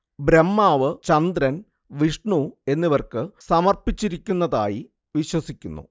ബ്രഹ്മാവ് ചന്ദ്രൻ വിഷ്ണു എന്നിവർക്ക് സമർപ്പിച്ചിരിക്കുന്നതായി വിശ്വസിക്കുന്നു